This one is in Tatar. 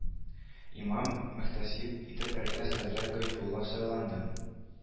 Имам-мөхтәсиб итеп әлфәс хәзрәт гайфулла сайланды